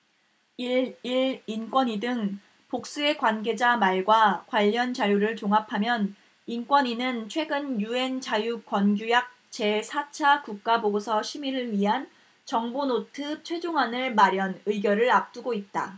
일 일 인권위 등 복수의 관계자 말과 관련 자료를 종합하면 인권위는 최근 유엔 자유권규약 제 사 차 국가보고서 심의를 위한 정보노트 최종안을 마련 의결을 앞두고 있다